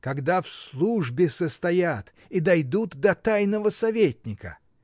Когда в службе состоят и дойдут до тайного советника!